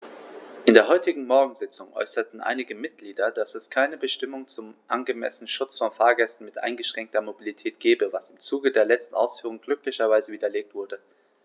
In der heutigen Morgensitzung äußerten einige Mitglieder, dass es keine Bestimmung zum angemessenen Schutz von Fahrgästen mit eingeschränkter Mobilität gebe, was im Zuge der letzten Ausführungen glücklicherweise widerlegt wurde.